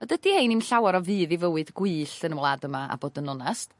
A dydi 'hein 'im llawer o fydd i fywyd gwyllt yn wlad yma a bod yn onest